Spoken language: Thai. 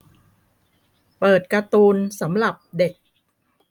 เปิดการ์ตูนสำหรับเด็ก